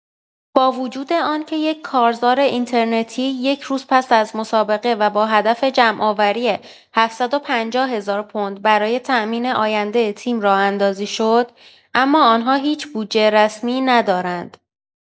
با وجود آن‌که یک کارزار اینترنتی یک روز پس از مسابقه و با هدف جمع‌آوری ۷۵۰ هزار پوند برای تامین آینده تیم راه‌اندازی شد، اما آن‌ها هیچ بودجه رسمی ندارند.